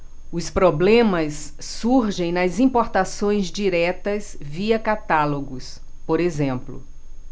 os problemas surgem nas importações diretas via catálogos por exemplo